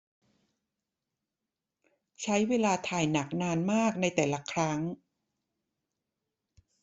ใช้เวลาถ่ายหนักนานมากในแต่ละครั้ง